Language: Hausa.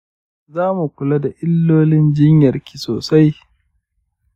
zamu kula da illolin jinyarki sosai.